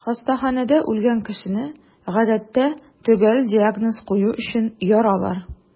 Хастаханәдә үлгән кешене, гадәттә, төгәл диагноз кую өчен яралар.